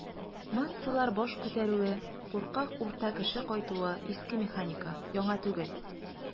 "массалар баш күтәрүе", куркак "урта кеше" кайтуы - иске механика, яңа түгел.